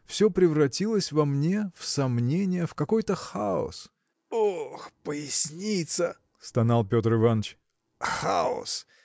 Все превратилось во мне в сомнение, в какой-то хаос. – Ох, поясница! – стонал Петр Иваныч. – Хаос!